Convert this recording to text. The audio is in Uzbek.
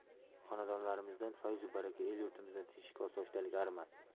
xonadonlarimizdan fayzu baraka el yurtimizdan tinchlik osoyishtalik arimasin